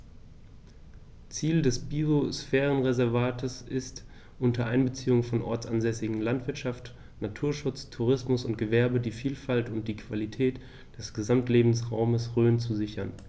Ziel dieses Biosphärenreservates ist, unter Einbeziehung von ortsansässiger Landwirtschaft, Naturschutz, Tourismus und Gewerbe die Vielfalt und die Qualität des Gesamtlebensraumes Rhön zu sichern.